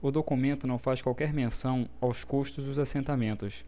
o documento não faz qualquer menção aos custos dos assentamentos